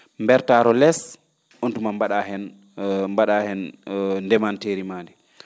mbertaa ro lees oon tuma mba?aa heen mba?aa hen ndemanteeri ma ndii